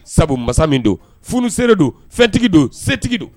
Sabu masa min don funsenere don fɛntigi don setigi don